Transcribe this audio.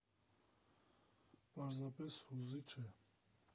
Պարզապես հուզիչ է։